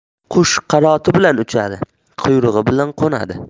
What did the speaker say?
qush qanoti bilan uchadi quyrug'i bilan qo'nadi